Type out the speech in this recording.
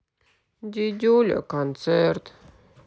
дидюля концерт